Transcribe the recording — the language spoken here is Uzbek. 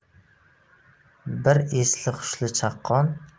biri esli hushli chaqqon